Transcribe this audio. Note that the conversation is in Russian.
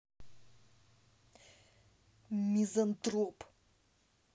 мизантроп